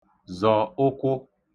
zọ̀ ụkwụ